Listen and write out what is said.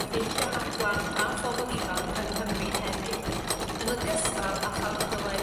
effeithio ar blant a phobol ifanc yng Nghymru heddiw yn ogystal â chael clywed